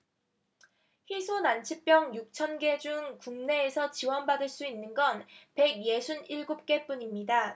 희소난치병 육 천 개 중 국내에서 지원을 받을 수 있는 건 백 예순 일곱 개뿐입니다